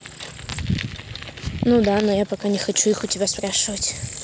ну да но я пока не хочу их у тебя спрашивать